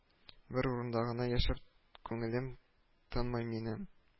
Бер урында гына яшәп күңелем тынмый минем